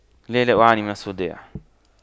لا لا أعاني من الصداع